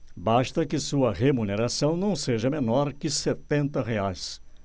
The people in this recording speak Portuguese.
basta que sua remuneração não seja menor que setenta reais